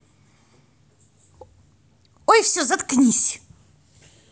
ой все заткнись